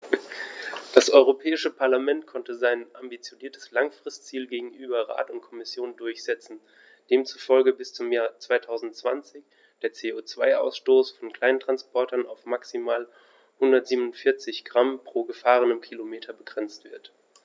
Das Europäische Parlament konnte sein ambitioniertes Langfristziel gegenüber Rat und Kommission durchsetzen, demzufolge bis zum Jahr 2020 der CO2-Ausstoß von Kleinsttransportern auf maximal 147 Gramm pro gefahrenem Kilometer begrenzt wird.